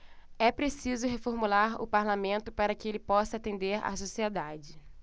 é preciso reformular o parlamento para que ele possa atender a sociedade